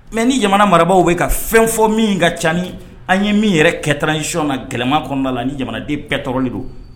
Mɛ ni jamana marabagaw wele ka fɛn fɔ min ka caani an ye min yɛrɛ kɛta isiɔn na kɛlɛ kɔnɔna la ni jamanaden bɛɛ tɔɔrɔ de don